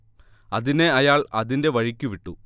അതിനെ അയാൾ അതിന്റെ വഴിക്ക് വിട്ടു